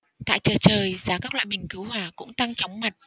tại chợ trời giá các loại bình cứu hỏa cũng tăng chóng mặt